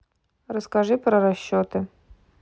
расскажи про расчеты